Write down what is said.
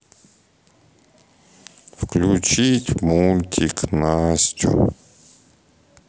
включить мультик настю